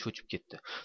cho'chib ketdi